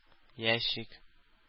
Ящик